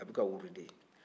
a bɛ k'a wurudi